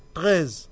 13